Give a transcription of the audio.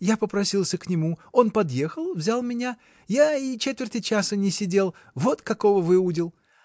Я попросился к нему, он подъехал, взял меня, я и четверти часа не сидел — вот какого выудил!